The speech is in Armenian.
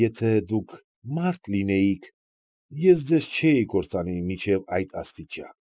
Եթե դուք մարդ լինեիք, ես ձեզ չէի կործանիլ մինչև այդ աստիճան։